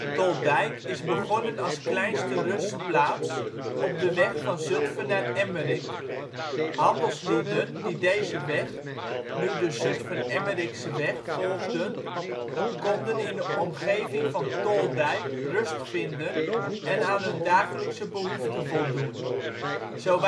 Toldijk is begonnen als kleine rustplaats op de weg van Zutphen naar Emmerik. Handelslieden die deze weg (nu de Zutphen-Emmerikseweg) volgden, konden in de omgeving van Toldijk rust vinden en aan hun dagelijkse behoeften voldoen. Zo